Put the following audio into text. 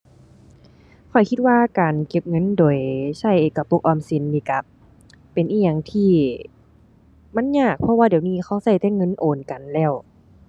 ข้อยคิดว่าการเก็บเงินโดยใช้กระปุกออมสินนี้ก็เป็นอิหยังที่มันยาก เพราะว่าเดี๋ยวนี้เขาก็แต่เงินโอนกันแล้ว